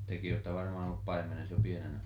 tekin olette varmaan ollut paimenessa jo pienenä